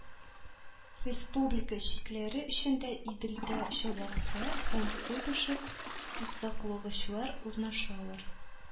Республика чикләре эчендә Иделдә Чабаксар һәм Куйбышев сусаклагычлар урнашалар